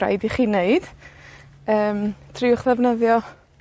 raid i chi neud yym triwch ddefnyddio